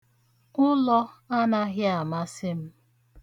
Ụlọ anaghị amasị m